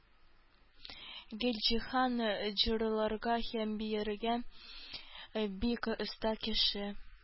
Гөлҗиһан җырларга һәм биергә бик оста кеше.